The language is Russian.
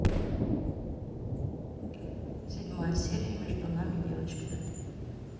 седьмая серия между нами девочками